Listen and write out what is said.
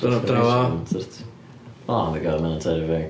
Dyna Dyna fo... Oh my god ma' hynna'n terrifying.